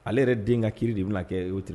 Ale yɛrɛ den ka kiri de bɛna kɛ oti